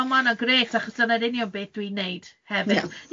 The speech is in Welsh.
O ma' hwnna'n grêt, achos dyna'r union beth dwi'n wneud hefyd... Ie